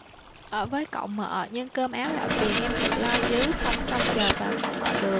ở với cậu mợ nhưng cơm áo gạo tiền em tự lo chứ không trông chờ vào cậu mợ được